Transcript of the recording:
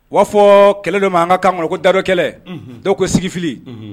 'a fɔ kɛlɛ dɔ ma an ka kan kɔnɔ ko da dɔ kɛlɛ dɔw ko sigifi